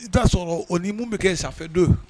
I t'a sɔrɔ o ni minnu bɛ kɛ sanfɛdon ye